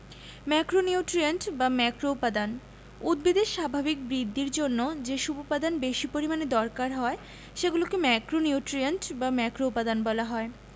macronutrient বা ম্যাক্রোউপাদান উদ্ভিদের স্বাভাবিক বৃদ্ধির জন্য যেসব উপাদান বেশি পরিমাণে দরকার হয় সেগুলোকে ম্যাক্রোনিউট্রিয়েন্ট বা ম্যাক্রোউপাদান বলা হয়